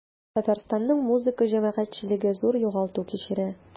Татарстанның музыка җәмәгатьчелеге зур югалту кичерә.